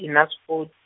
e- Naspot-.